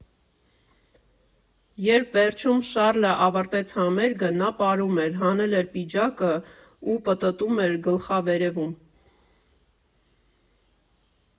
Երբ վերջում Շառլը ավարտեց համերգը, նա պարում էր, հանել էր պիջակը ու պտտում էր գլխավերևում…